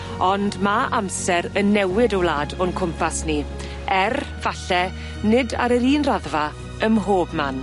Ond ma' amser yn newid y wlad o'n cwmpas ni er, falle nid ar yr un raddfa, ym mhob man.